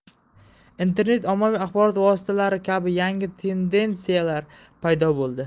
internet ommaviy axborot vositalari kabi yangi tendentsiyalar paydo bo'ldi